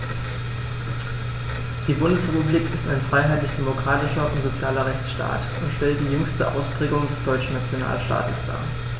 Die Bundesrepublik ist ein freiheitlich-demokratischer und sozialer Rechtsstaat und stellt die jüngste Ausprägung des deutschen Nationalstaates dar.